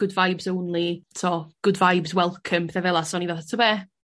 good vibes only t'o' good vibes welcome petha fela so o'n i fatha t'o' be'?